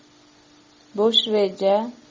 bosh reja